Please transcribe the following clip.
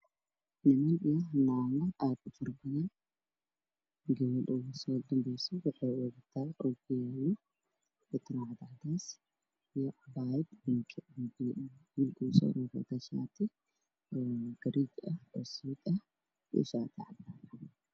Waa gabdho iyo niman aada iyo aada u fara badan oo dhugu soo horeyso waxay wadataa dirac buluugga iyo masar madow ah ninka ugu soo horreeyaan wuxuu wataa sharci daana iyo fanaanad madow